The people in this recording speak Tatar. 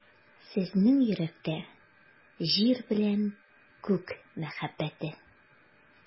Сезнең йөрәктә — Җир белә Күк мәхәббәте.